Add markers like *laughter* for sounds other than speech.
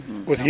*hesitation* *hesitation*